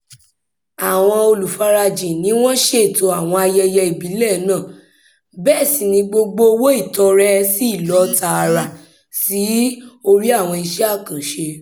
Àwọn olùfarajìn ni wọ́n ṣẹ̀tò gbogbo àwọn ayẹyẹ ìbílẹ̀ náà bẹ́ẹ̀ sì ni gbogbo owó ìtọrẹ sí lọ tààrà sí orí àwọn iṣẹ́ àkànṣe.